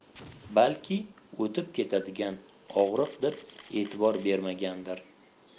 balki o'tib ketadigan og'riq deb e'tibor bermagandir